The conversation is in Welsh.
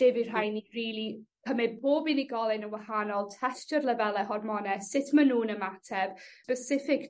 lle by' rhai' ni rili cymyd bob unigolyn yn wahanol testio'r lefele hormone sut ma' nw'n ymateb specific